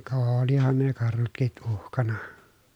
ka olihan ne karhutkin uhkana